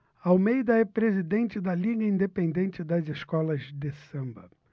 almeida é presidente da liga independente das escolas de samba